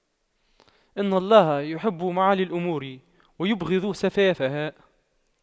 إن الله يحب معالي الأمور ويبغض سفاسفها